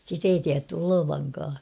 sitä ei tiedetty olevankaan